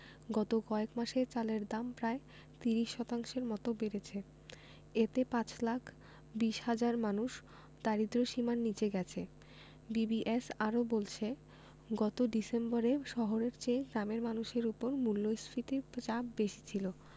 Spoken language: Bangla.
গত কয়েক মাসে চালের দাম প্রায় ৩০ শতাংশের মতো বেড়েছে এতে ৫ লাখ ২০ হাজার মানুষ দারিদ্র্যসীমার নিচে গেছে বিবিএস আরও বলছে গত ডিসেম্বরে শহরের চেয়ে গ্রামের মানুষের ওপর মূল্যস্ফীতির চাপ বেশি ছিল